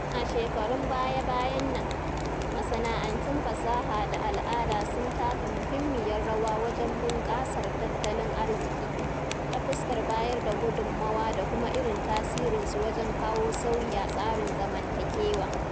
A shekarun baya-bayan nan, masana'antun fasaha da al'ada sun taka muhimmiyar rawa wajen bunƙasar tattalin arziki, ta fuskar bayar da gudummawa da kuma irin tasirinsu wajen kawo sauyi a tsarin zamantakewa.